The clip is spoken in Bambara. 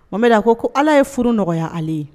O bɛ ko ala ye furu nɔgɔya ale ye